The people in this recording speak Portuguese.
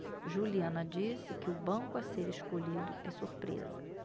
juliana disse que o banco a ser escolhido é surpresa